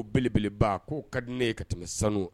Ko belebeleba ko ka di ne ye ka tɛmɛ sanu